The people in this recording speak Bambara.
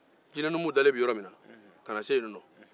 a nana se jinɛnumuw dalen bɛ yɔrɔ min na la